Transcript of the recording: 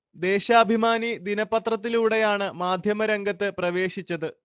ദേശാഭിമാനി ദിനപത്രത്തിലൂടെയാണു് മാധ്യമ രംഗത്ത് പ്രവേശിച്ചത്